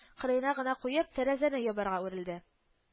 Кырыена гына куеп, тәрәзәне ябарга үрелде